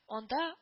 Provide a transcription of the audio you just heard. Анда